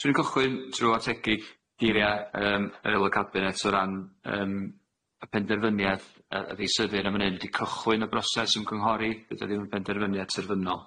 'Swn i'n cychwyn trw ategu geiria' yym yr aelo' cabinet o ran yym y penderfyniad a ddeisyfir yn fan 'yn ydi cychwyn y broses ymgynghori. Dydi o ddim yn penderfyniad terfynol.